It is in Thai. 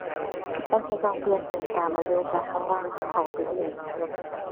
เราเราต้องเปลี่ยนแปลงตามอายุจ้ะ เพราะว่าเราเฒ่าไปเรื่อย